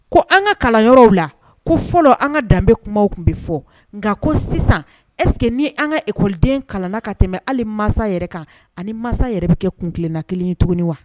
Ko an ka kalan yɔrɔ la ko fɔlɔ an ka danbebe kumaw tun bɛ fɔ nka ko sisan ɛsseke ni an ka ekɔden kalan ka tɛmɛ hali mansa yɛrɛ kan ani mansa yɛrɛ bɛ kɛ kun tilen na kelen ye tuguni wa